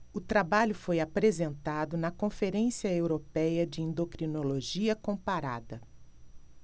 o trabalho foi apresentado na conferência européia de endocrinologia comparada